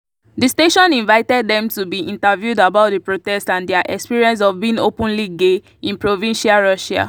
The station invited them to be interviewed about the protest and their experience of being openly gay in provincial Russia.